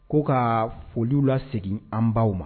Ko ka foliw lasegin an baw ma